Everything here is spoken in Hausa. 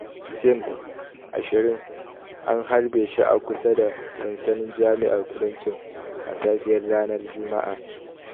Sims, 20, an harbe shi a kusa da sansanin Jami'ar Kudancin a safiyar ranar Juma'a.